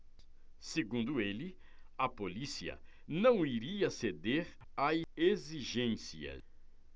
segundo ele a polícia não iria ceder a exigências